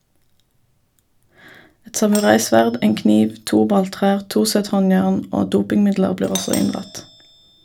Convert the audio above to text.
Et samuraisverd, en kniv, to balltrær, to sett håndjern og dopingmidler blir også inndratt.